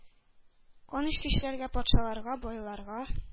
— канечкечләргә: патшаларга, байларга,